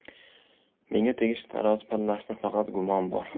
menga tegishli tarozi pallasida faqat gumon bor